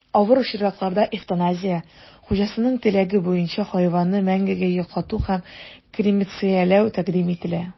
Авыр очракларда эвтаназия (хуҗасының теләге буенча хайванны мәңгегә йоклату һәм кремацияләү) тәкъдим ителә.